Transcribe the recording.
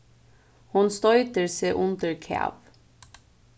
hon stoytir seg undir kav